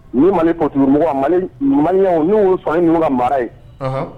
U ye malitumɔgɔ man n' sɔn ninnu ka mara ye